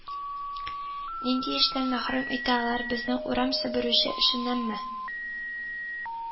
Нинди эштән мәхрүм итә алар безне урам себерүче эшеннәнме